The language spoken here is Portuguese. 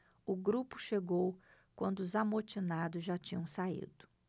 o grupo chegou quando os amotinados já tinham saído